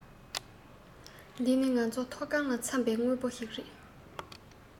འདི ནི ང ཚོ འཐོ སྒང ལ འཚམས པས དངོས པོ ཞིག རེད